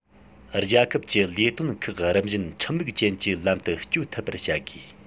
རྒྱལ ཁབ ཀྱི ལས དོན ཁག རིམ བཞིན ཁྲིམས ལུགས ཅན གྱི ལམ དུ སྐྱོད ཐུབ པར བྱ དགོས